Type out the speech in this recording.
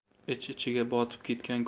ich ichiga botib ketgan